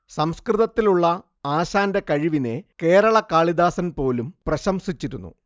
സംസ്കൃതത്തിലുള്ള ആശാന്റെ കഴിവിനെ കേരള കാളിദാസൻ പോലും പ്രശംസിച്ചിരുന്നു